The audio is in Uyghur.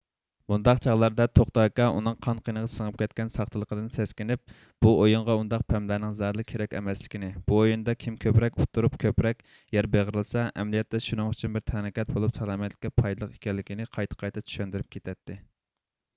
مۇنداق چاغلاردا توختى ئاكا ئۇنىڭ قان قېنىغا سىڭىپ كەتكەن ساختىلىقتىن سەسكىنىپ بۇ ئويۇنغا ئۇنداق پەملەرنىڭ زادىلا كېرەك ئەمەسلىكىنى بۇ ئويۇندا كىم كۆپرەك ئۇتتۇرۇپ كۆپرەك يەر بېغىرلىسا ئەمەلىيەتتە شۇنىڭ ئۈچۈن بىر تەنھەرىكەت بولۇپ سالامەتلىكىگە پايدىلىق ئىكەنلىكىنى قايتا قايتا چۈشەندۈرۈپ كېتەتتى